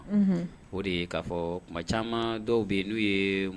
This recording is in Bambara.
O de'a fɔ ma caman dɔw bɛ n'u ye